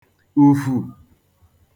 ùfù